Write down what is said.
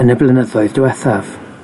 yn y blynyddoedd diwethaf.